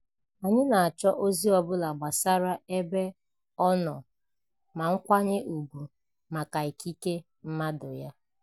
Anyị na-achọ ozi ọ bụla gbasara ebe ọ nọ ma nkwanye ùgwù maka ikike mmadụ ya.